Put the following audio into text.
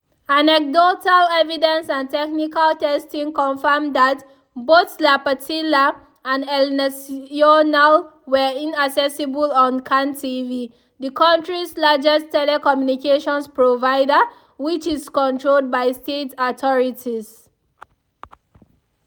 Anecdotal evidence and technical testing confirmed that both La Patilla and El Nacional were inaccessible on CANTV, the country’s largest telecommunications provider, which is controlled by state authorities.